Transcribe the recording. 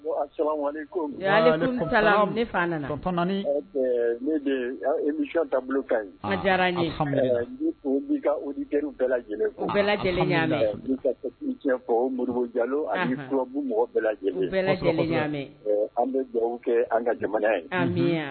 An bɛ kɛ an ka jamana